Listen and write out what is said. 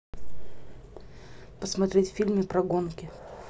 посмотреть фильмы про гонки